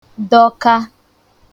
dọkā